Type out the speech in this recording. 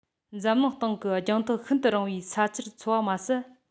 འཛམ གླིང སྟེང གི རྒྱང ཐག ཤིན ཏུ རིང བའི ས ཆར འཚོ བ མ ཟད